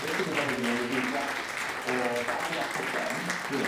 Be' sy gyda ni fyn 'yn ydi graff o ddau fath o gen. Ie.